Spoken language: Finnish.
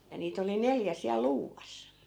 ja niitä oli neljä siellä luuvassa